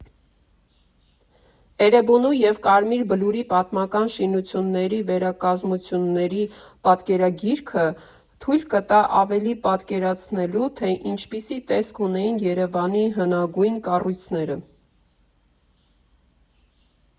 Էրեբունու և Կարմիր Բլուրի պատմական շինությունների վերակազմությունների պատկերագիրքը թույլ կտա ավելի պատկերացնելու, թե ինչպիսի տեսք ունեին Երևանի հնագույն կառույցները։